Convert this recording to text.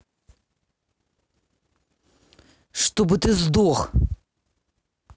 чтобы ты сдох